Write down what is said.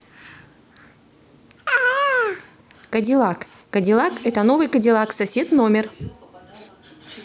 кадиллак cadillac это новый кадиллак сосед номер